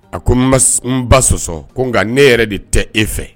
A ko n ba sɔsɔ ko nka ne yɛrɛ de tɛ e fɛ